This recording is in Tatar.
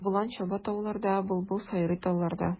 Болан чаба тауларда, былбыл сайрый талларда.